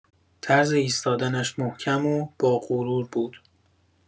طرز ایستادنش محکم و با غرور بود.